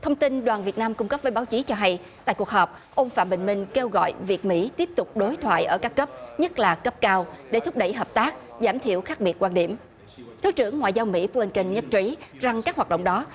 thông tin đoàn việt nam cung cấp với báo chí cho hay tại cuộc họp ông phạm bình minh kêu gọi việc mỹ tiếp tục đối thoại ở các cấp nhất là cấp cao để thúc đẩy hợp tác giảm thiểu khác biệt quan điểm thứ trưởng ngoại giao mỹ vườn cần nhất trí rằng các hoạt động đó